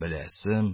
Беләсем,